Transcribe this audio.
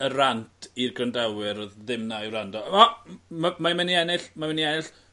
y rant i'r grandawyr o'dd ddim 'na i wrando o m- ma' mae myn' i ennill ma' myn' i ennill